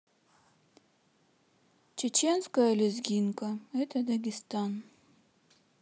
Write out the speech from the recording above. чеченская лезгинка это дагестан